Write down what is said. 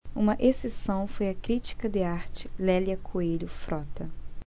uma exceção foi a crítica de arte lélia coelho frota